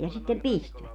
ja sitten pistivät